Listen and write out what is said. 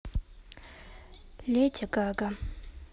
леди гага